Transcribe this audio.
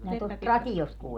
minä tuolta radiosta -